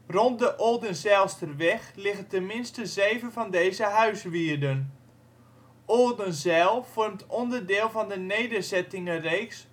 Rond de Oldenzijlsterweg liggen ten minste 7 van deze huiswierden. Oldenzijl vormt onderdeel van de nederzettingenreeks